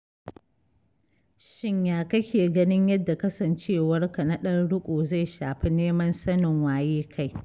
Shin ya kake ganin yadda kasancewarka na ɗan riƙo zai shafi neman sanin waye kai?